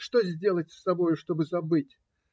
Что сделать с собою, чтобы забыть?